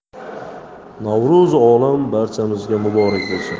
navro'zi olam barchamizga muborak bo'lsin